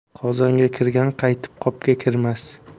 qozonga kirgan qaytib qopga kirmas